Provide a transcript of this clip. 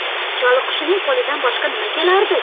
choliqushining qo'lidan boshqa nima kelardi